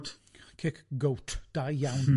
Kick-goat, da iawn.